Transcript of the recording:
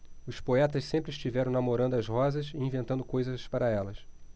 os poetas sempre estiveram namorando as rosas e inventando coisas para elas